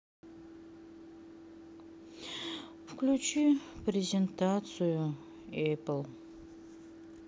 включи презентацию эппл